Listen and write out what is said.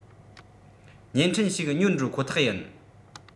བརྙན འཕྲིན ཞིག ཉོ འགྲོ ཁོ ཐག ཡིན